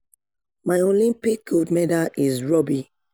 My Olympic gold medal is Robbie."